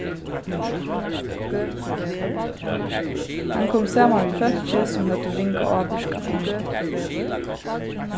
hann kom saman við fólki sum høvdu ringa ávirkan á hann